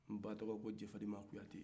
nba tɔgɔ ko jɛfadima kuyate